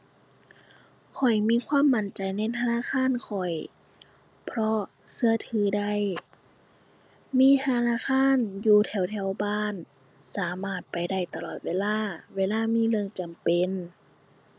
ข้อยมีความมั่นใจในธนาคารข้อย เพราะเชื่อถือได้ มีธนาคารอยู่แถวแถวบ้านสามารถไปได้ตลอดเวลาเวลามีเรื่องจำเป็น